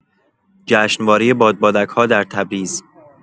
جشنواره بادبادک‌ها در تبریز